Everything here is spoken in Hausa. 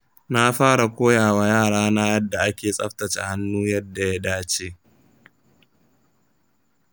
na fara koyawa yarana yadda ake tsaftace hannu yadda ya dace.